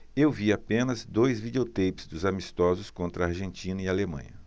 eu vi apenas dois videoteipes dos amistosos contra argentina e alemanha